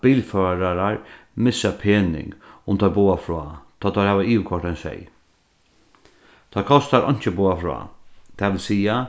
bilførarar missa pening um teir boða frá tá teir hava yvirkoyrt ein seyð tað kostar einki at boða frá tað vil siga